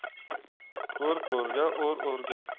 ko'r ko'rga o'r o'rga